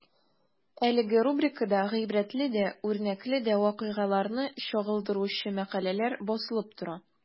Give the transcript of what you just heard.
Әлеге рубрикада гыйбрәтле дә, үрнәкле дә вакыйгаларны чагылдыручы мәкаләләр басылып тора.